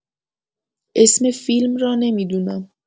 اسم فیلم را نمی‌دونم